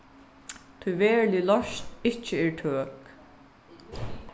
tí verulig loysn ikki er tøk